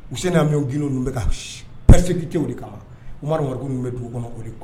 Useyini Amiyɔn Gindo ninnu bɛ ka persecuter o de kama, Umaru Mariko ninnu bɛ dugu kɔnɔ o de ka